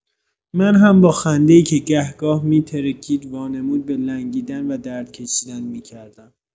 من هم با خنده‌ای که گه‌گاه می‌ترکید وانمود به لنگیدن و درد کشیدن می‌کردم.